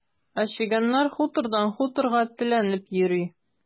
Ә чегәннәр хутордан хуторга теләнеп йөри.